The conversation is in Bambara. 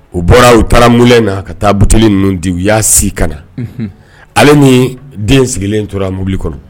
U bɔra u taara mun na ka taa but ninnu di u y'a si ka na ale ni den sigilen tora mobili kɔnɔ